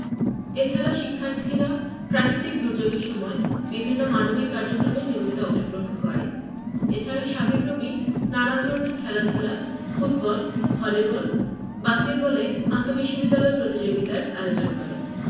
এছাড়া শিক্ষার্থীরা প্রাকৃতিক দূর্যোগের সময় বিভিন্ন মানবিক কার্যক্রমে নিয়মিত অংশগ্রহণ করে এছাড়া সাবিপ্রবি নানা ধরনের খেলাধুলা ফুটবল ভলিবল বাস্কেটবলে আন্তঃবিশ্ববিদ্যালয় প্রতিযোগিতার আয়োজন করে